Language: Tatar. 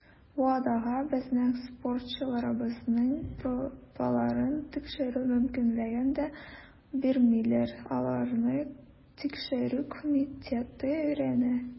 WADAга безнең спортчыларыбызның пробаларын тикшерү мөмкинлеген дә бирмиләр - аларны Тикшерү комитеты өйрәнә.